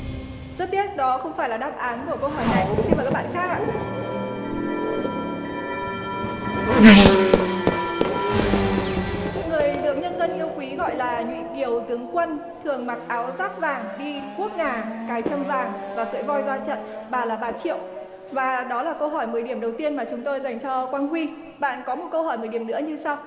rất tiếc đó không phải là đáp án của câu hỏi này xin mời các bạn khác ạ người được nhân dân yêu quý gọi là nhụy kiều tướng quân thường mặc áo giáp vàng đi guốc ngà cài trâm vàng và cưỡi voi ra trận bà là bà triệu và đó là câu hỏi mười điểm đầu tiên mà chúng tôi dành cho quang huy bạn có một câu hỏi mười điểm nữa như sau